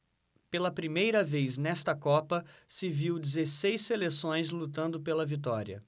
pela primeira vez nesta copa se viu dezesseis seleções lutando pela vitória